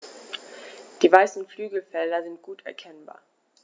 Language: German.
Die weißen Flügelfelder sind gut erkennbar.